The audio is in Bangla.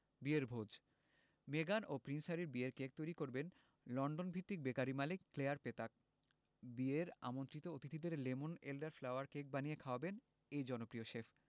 বিয়ের ভোজ মেগান ও প্রিন্স হ্যারির বিয়ের কেক তৈরি করবেন লন্ডনভিত্তিক বেকারি মালিক ক্লেয়ার পেতাক বিয়ের আমন্ত্রিত অতিথিদের লেমন এলডার ফ্লাওয়ার কেক বানিয়ে খাওয়াবেন এই জনপ্রিয় শেফ